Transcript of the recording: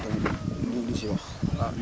ba xam tamit lii luñ si wax